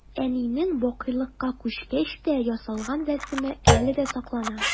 Әнинең бакыйлыкка күчкәч тә ясалган рәсеме әле дә саклана.